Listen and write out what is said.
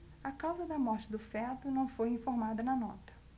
a causa da morte do feto não foi informada na nota